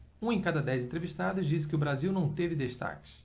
um em cada dez entrevistados disse que o brasil não teve destaques